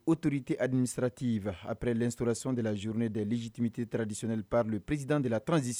Autorité administrative après l'instauration de la journée des légitime traditionnels par le président de la transition